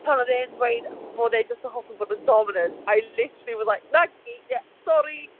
Pan oedd e'n dweud fod e jyst yn hoffi bod yn dominant, I literally was like 'na ni ie, sori.